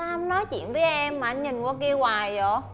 sao hông nói chuyện với em mà anh nhìn qua kia hoài dợ